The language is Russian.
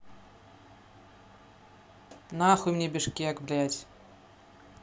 нахуй мне бишкек блядь